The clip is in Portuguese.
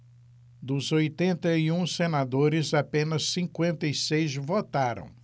dos oitenta e um senadores apenas cinquenta e seis votaram